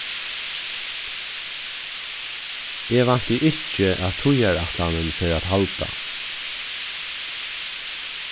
eg vænti ikki at tíðarætlanin fer at halda